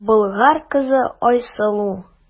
Болгар кызы Айсылу.